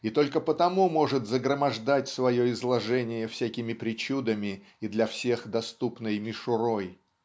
и только потому может загромождать свое изложение всякими причудами и для всех доступной мишурой.